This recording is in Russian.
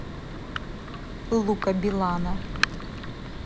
luka билана